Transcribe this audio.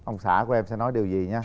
ông xã của em sẽ nói điều gì nha